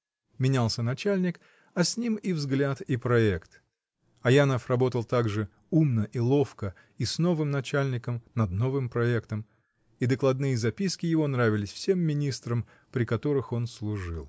Менялся начальник, а с ним и взгляд, и проект: Аянов работал так же умно и ловко и с новым начальником, над новым проектом — и докладные записки его нравились всем министрам, при которых он служил.